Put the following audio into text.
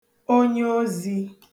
onyeozī